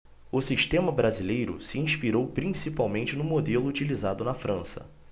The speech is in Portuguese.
o sistema brasileiro se inspirou principalmente no modelo utilizado na frança